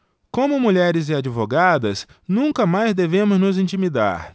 como mulheres e advogadas nunca mais devemos nos intimidar